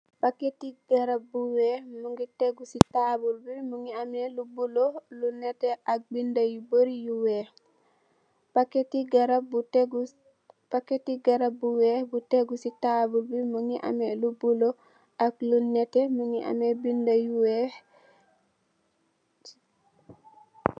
Packet ti garap bu wekh munge tegu si twbul bu munge ame lu bulah lu neteh ak bindah yu barri yu wekh packet ti garap bu wekh bu tegu si tabul munge ame lu bulah lu neteh ak bindah yu wekh